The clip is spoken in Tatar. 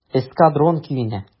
"эскадрон" көенә.